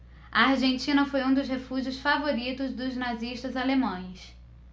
a argentina foi um dos refúgios favoritos dos nazistas alemães